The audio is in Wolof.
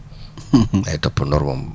waye toppandoor moom